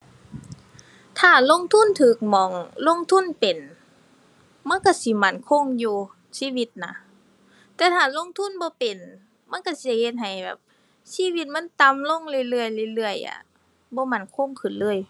ถ้าลงทุนถูกหม้อง ลงทุนเป็น มันถูกสิมั่นคงอยู่ ชีวิตน่ะ แต่ถ้าลงทุนบ่เป็น มันถูกสิเฮ็ดให้แบบชีวิตมันต่ำลงเรื่อยเรื่อยเรื่อยเรื่อยอะ บ่มั่นคงขึ้นเลย